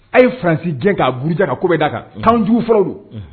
A ye fransijɛ k'a buruja ka ko bɛ daa kan kan du fɔlɔ don